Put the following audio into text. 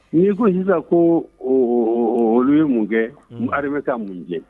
N'i kosa ko olu ye mun kɛ hare bɛ ka mun cɛ